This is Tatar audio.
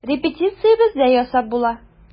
Репетиция бездә ясап була.